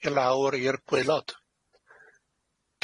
i lawr i'r gwaelod.